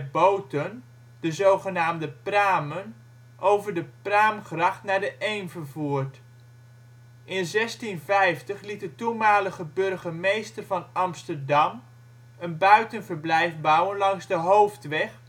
boten, de zogenaamde pramen, over de Praamgracht naar de Eem vervoerd. In 1650 liet de toenmalige burgemeester van Amsterdam een buitenverblijf bouwen langs de hoofdweg